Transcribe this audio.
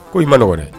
Ko i ma nɔgɔ dɛ